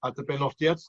A dy benodiad